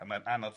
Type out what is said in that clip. A mae'n anodd.